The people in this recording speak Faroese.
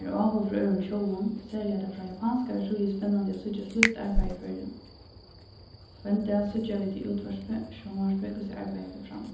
har er áhugi frá øðrum tjóðum serliga er tað frá japanskari síðu spennandi at síggja slíkt arbeiði í føroyum hvønn dag síggja vit í útvarpi sjónvarpi hvussu arbeiðið fer fram